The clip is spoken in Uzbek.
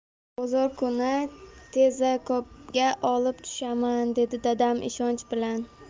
bozor kuni tezakopga olib tushaman dedi dadam ishonch bilan